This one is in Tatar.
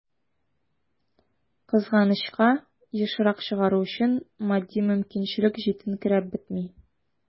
Кызганычка, ешрак чыгару өчен матди мөмкинчелек җитенкерәп бетми.